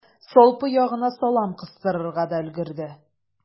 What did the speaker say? Салпы ягына салам кыстырырга да өлгерде.